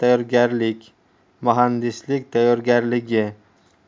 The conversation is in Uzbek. muhandislik tayyorgarligi